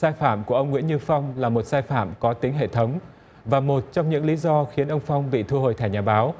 sai phạm của ông nguyễn như phong là một sai phạm có tính hệ thống và một trong những lý do khiến ông phong bị thu hồi thẻ nhà báo